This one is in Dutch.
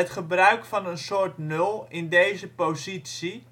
gebruik van een soort nul in deze positie